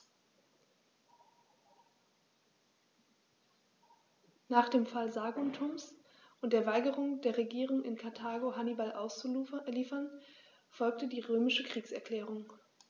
Nach dem Fall Saguntums und der Weigerung der Regierung in Karthago, Hannibal auszuliefern, folgte die römische Kriegserklärung.